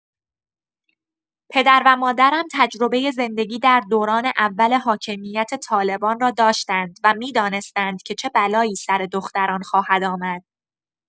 پدر و مادرم تجربه زندگی در دوران اول حاکمیت طالبان را داشتند و می‌دانستند که چه بلایی سر دختران خواهد آمد.